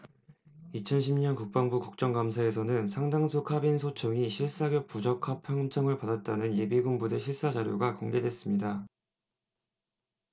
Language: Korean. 이천 십 년 국방부 국정감사에서는 상당수 카빈 소총이 실사격 부적합 판정을 받았다는 예비군 부대 실사 자료가 공개됐습니다